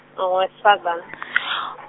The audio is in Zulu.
ngowesifazan- .